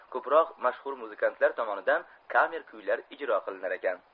ko'proq mashhur muzikantlar tomonidan kamer kuylar ijro qilinarkan